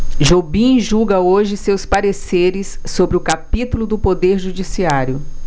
jobim divulga hoje seus pareceres sobre o capítulo do poder judiciário